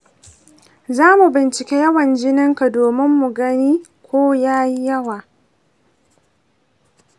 za mu bincika yawan jininka domin mu gani ko ya yi yawa.